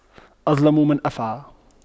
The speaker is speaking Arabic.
أظلم من أفعى